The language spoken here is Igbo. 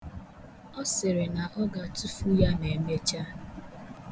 Ọ sịrị na ọ ga-atufu ya ma emechaa.